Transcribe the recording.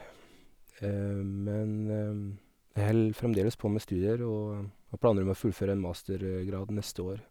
Men jeg held fremdeles på med studier, og har planer om å fullføre en mastergrad neste år.